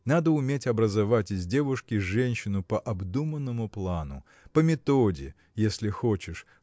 надо уметь образовать из девушки женщину по обдуманному плану по методе если хочешь